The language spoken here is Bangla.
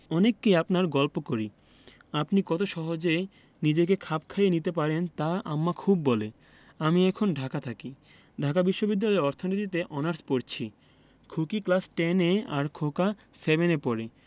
অনেককেই আপনার গল্প করি আপনি কত সহজে নিজেকে খাপ খাইয়ে নিতে পারেন তা আম্মা খুব বলে আমি এখন ঢাকা থাকি ঢাকা বিশ্ববিদ্যালয়ে অর্থনীতিতে অনার্স পরছি খুকি ক্লাস টেন এ আর খোকা সেভেন এ পড়ে